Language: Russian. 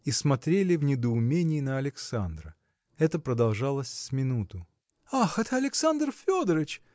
и смотрели в недоумении на Александра. Это продолжалось с минуту. – Ах, это Александр Федорыч!